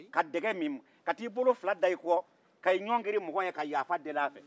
ka dɛgɛ min ka t'i bolo fila da i kɔ ka i ɲɔngirin mɔgɔ ye ka yafa deli a fɛ